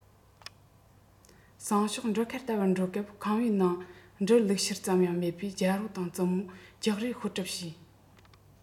སང ཞོགས འབྲུ ཁང བལྟ བར འགྲོ སྐབས ཁང པའི ནང འབྲུ བླུགས ཤུལ ཙམ ཡང མེད པས རྒྱལ པོ དང བཙུན མོ རྒྱག རེས ཤོར གྲབས བྱས